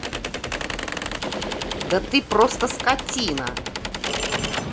да ты просто скотина